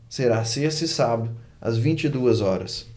será sexta e sábado às vinte e duas horas